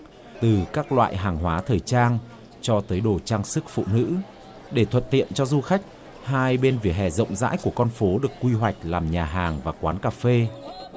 từ các loại hàng hóa thời trang cho tới đồ trang sức phụ nữ để thuận tiện cho du khách hai bên vỉa hè rộng rãi của con phố được quy hoạch làm nhà hàng và quán cà phê